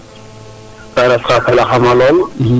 Ta ref kaa felaxama lool .